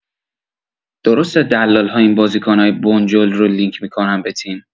درسته دلال‌ها این بازیکن‌های بنجل رو لینک می‌کنن به تیم